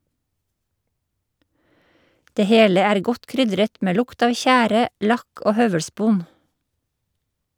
Det hele er godt krydret med lukt av tjære, lakk og høvelspon.